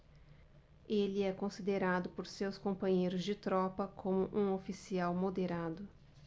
ele é considerado por seus companheiros de tropa como um oficial moderado